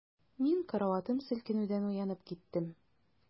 Мин караватым селкенүдән уянып киттем.